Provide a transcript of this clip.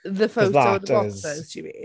The photo of the boxers, you mean?